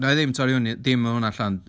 Wna i ddim torri fyny dim o hwnna allan.